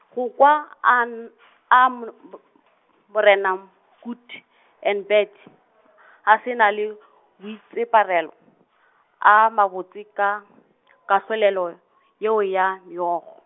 go kwa, an- amn- , morena Good en bad , a se na boi -tsheparelo , a mabotse ka , kahlolelo yeo ya Meokgo.